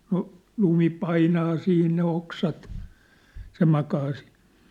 no lumi painaa siinä ne oksat se makaa siinä